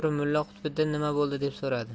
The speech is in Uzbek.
mulla qutbiddin nima bo'ldi deb so'radi